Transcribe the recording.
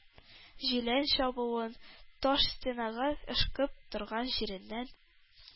Җилән чабуын таш стенага ышкып торган җиреннән